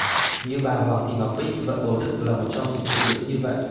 như bà hoàng thị ngọc bích vợ bầu đức là một trong những phụ nữ như vậy